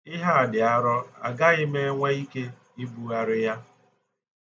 Ihe a dị arọ, agaghị m enwe ike ibugharị ya.